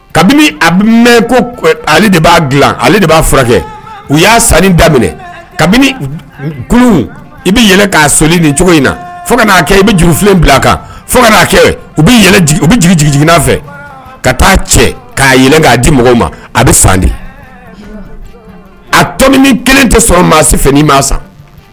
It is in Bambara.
Kabini a mɛn ko ale de b'a dilan ale de b'a furakɛ u y'a san daminɛ kabini kulu i bɛ k'a soli ni cogo in na fo'a kɛ i bɛ juru filen bila a kan fo kaa u u bɛ jigin jigin jiginigina fɛ ka taaa cɛ ka k'a di mɔgɔw ma a bɛ san di a to kelen tɛ sɔrɔ maasi fɛ i ma san